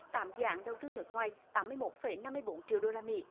tạm giảm đầu tư nước ngoài tám mươi mốt phẩy năm mươi bốn triệu đô la mỹ